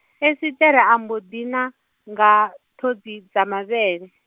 Esiṱere a mbo ḓi na nga, ṱhodzi, dza mavhele.